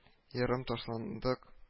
Ярым ташландык